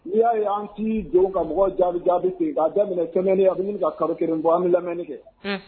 N' y'a ye an k'i jɔ ka mɔgɔ jaabi jaabi tigɛ ka daminɛ cɛi a bɛ ɲini ka kalo kelen bɔ an bɛ lamɛnni kɛ